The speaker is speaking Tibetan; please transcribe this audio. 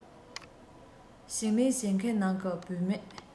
ཞིང ལས བྱེད མཁན ནང གྱི བུད མེད